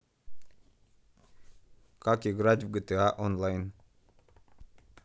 как играть в гта онлайн